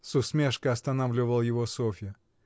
— с усмешкой останавливала его Софья.